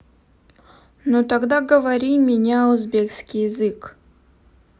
ну тогда говори меня узбекский язык